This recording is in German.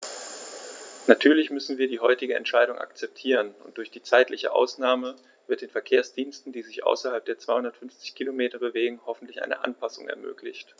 Natürlich müssen wir die heutige Entscheidung akzeptieren, und durch die zeitliche Ausnahme wird den Verkehrsdiensten, die sich außerhalb der 250 Kilometer bewegen, hoffentlich eine Anpassung ermöglicht.